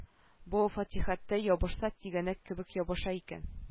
Бу фатихәттәй ябышса тигәнәк кебек ябыша икән